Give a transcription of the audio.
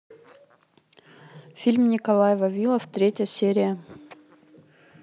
фильм николай вавилов третья серия